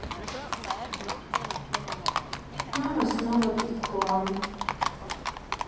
мама снова тут в хлам